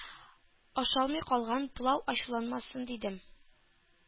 Ашалмый калган пылау ачуланмасын, дидем.